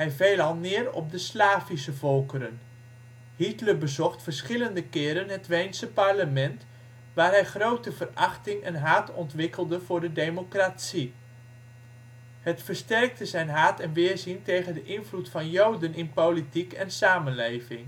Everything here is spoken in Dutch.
veelal neer op de Slavische volkeren. Hitler bezocht verschillende keren het Weense parlement, waar hij grote verachting en haat ontwikkelde voor de democratie. Het versterkte zijn haat en weerzin tegen de invloed van Joden in politiek en samenleving